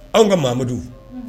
Anw ka mamudu